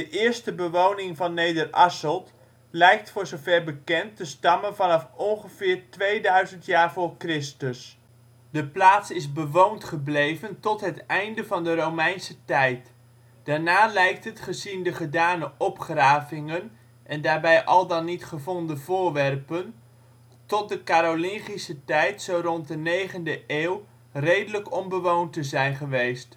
eerste bewoning van Nederasselt lijkt voor zover bekend te stammen vanaf ongeveer 2000 jaar voor Christus. De plaats is bewoond gebleven tot het einde van de Romeinse tijd. Daarna lijkt het gezien de gedane opgravingen en daarbij al dan niet gevonden voorwerpen, tot de Karolingische tijd zo rond de negende eeuw redelijk onbewoond te zijn gebleven